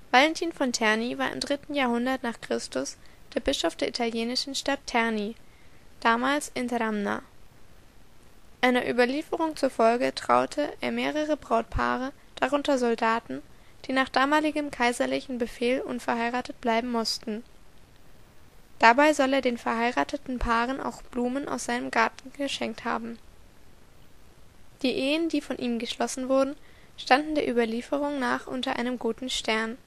Valentin von Terni war im dritten Jahrhundert nach Christus der Bischof der italienischen Stadt Terni (damals Interamna). Einer Überlieferung zufolge traute er mehrere Brautpaare, darunter Soldaten, die nach damaligem kaiserlichen Befehl unverheiratet bleiben mussten. Dabei soll er den verheirateten Paaren auch Blumen aus seinem Garten geschenkt haben. Die Ehen, die von ihm geschlossen wurden, standen der Überlieferung nach unter einem guten Stern